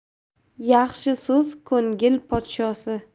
yaxshi so'z ko'ngil podshosi